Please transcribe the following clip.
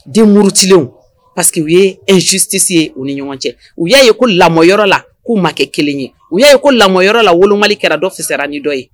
Denmurutilenw parce que u ye injustice ye u ni ɲɔgɔn cɛ u y'a ye ko lamɔ yɔrɔ la k'u ma kɛ kelen ye u y'a ye ko lamɔ yɔrɔ la wolomali kɛra dɔ fisara ni dɔ ye